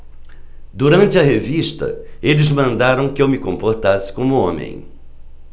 durante a revista eles mandaram que eu me comportasse como homem